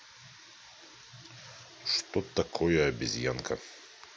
что такое обезьянка